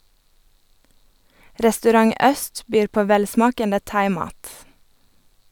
Restaurant Øst byr på velsmakende thaimat.